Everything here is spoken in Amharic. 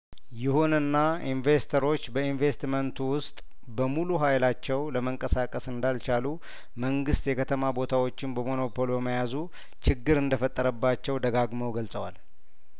ይሁንና ኢንቬስተሮች በኢንቬስትመንቱ ውስጥ በሙሉ ሀይላቸው ለመንቀሳቀስ እንዳልቻሉ መንግስት የከተማ ቦታዎችን በሞኖፖል በመያዙ ችግር እንደተፈጠረባቸው ደጋግመው ገልጸዋል